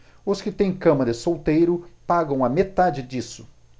os que têm cama de solteiro pagam a metade disso